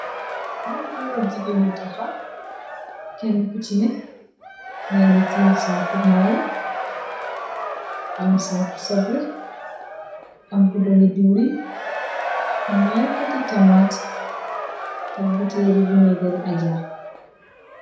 Ay gór ak jigeen yu taxaw Kenna ku si neh ya ngi tiim saku maalo, am saku sobleh, am bidongi diw lin, am ñaari Poti tamate ak butèèl li vinegar ri aja.